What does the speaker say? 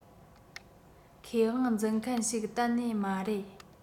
ཁེ དབང འཛིན མཁན ཞིག གཏན ནས མ རེད